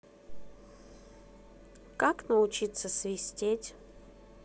как научиться свистеть